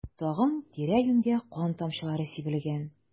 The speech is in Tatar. Тагын тирә-юньгә кан тамчылары сибелгән.